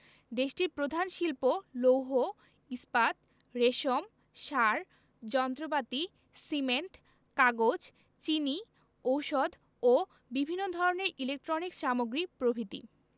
দেশটির প্রধান শিল্প লৌহ ইস্পাত রেশম সার যন্ত্রপাতি সিমেন্ট কাগজ চিনি ঔষধ ও বিভিন্ন ধরনের ইলেকট্রনিক্স সামগ্রী প্রভ্রিতি